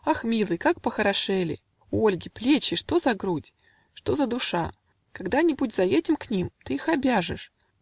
Ах, милый, как похорошели У Ольги плечи, что за грудь! Что за душа!. Когда-нибудь Заедем к ним ты их обяжешь